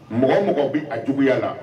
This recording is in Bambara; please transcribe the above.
Mɔgɔ mɔgɔ bɛ a juguya la